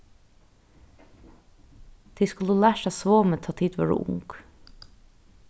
tit skuldu lært at svomið tá ið tit vóru ung